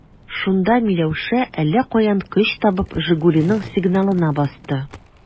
Шунда Миләүшә, әллә каян көч табып, «Жигули»ның сигналына басты.